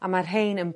A ma' rhein yn